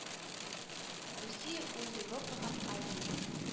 Русия - ул Европа һәм Азия, диде